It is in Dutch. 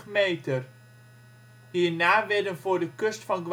meter. Hierna werden voor de kust van